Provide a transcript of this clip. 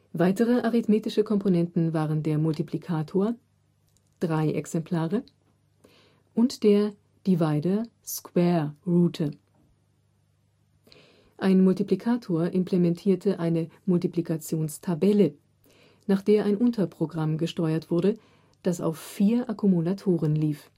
Weitere arithmetische Komponenten waren der Multiplikator (drei Exemplare) und der Divider/Square-Rooter. Ein Multiplikator implementierte eine Multiplikationstabelle, nach der ein Unterprogramm gesteuert wurde, das auf vier Akkumulatoren lief